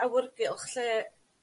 awyrgylch lle